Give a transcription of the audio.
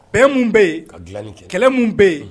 Bɛn mun bɛ yen; Ka dilan ni kɛ; Kɛlɛ mun bɛ yen.